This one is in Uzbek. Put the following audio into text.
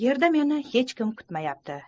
yerda meni hech kim kutmayapti